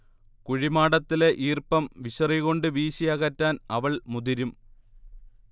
കുഴിമാടത്തിലെ ഈർപ്പം വിശറികൊണ്ട് വീശിയകറ്റാൻ അവൾ മുതിരും